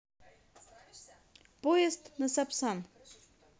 поезд на сапсан